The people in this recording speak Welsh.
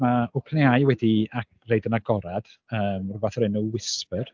ma' OpenAI wedi a- roid yn agored rywbeth o'r enw Whisper.